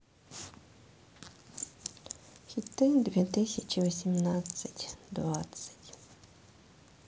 хиты две тысячи восемнадцать двадцать